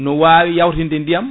no wawi yawtinde ndiyam